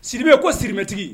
Sidibe ko sirimɛtigi